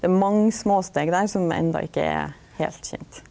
det er mange småsteg der som enda ikkje er heilt kjent.